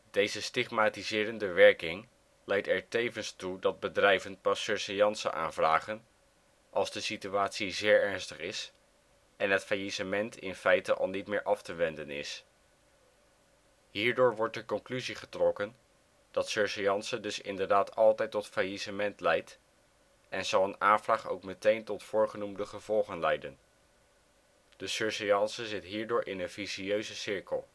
Deze stigmatiserende werking leidt er tevens toe dat bedrijven pas surseance aanvragen als de situatie zeer ernstig is en het faillissement in feite al niet meer af te wenden is. Hierdoor wordt de conclusie getrokken dat surseance dus inderdaad altijd tot faillissement leidt, en zal een aanvraag ook meteen tot voorgenoemde gevolgen leiden. De surseance zit hierdoor in een vicieuze cirkel